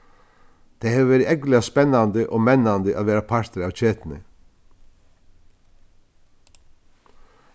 tað hevur verið ógvuliga spennandi og mennandi at vera partur av ketuni